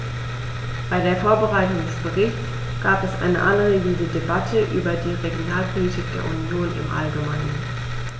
Bei der Vorbereitung des Berichts gab es eine anregende Debatte über die Regionalpolitik der Union im allgemeinen.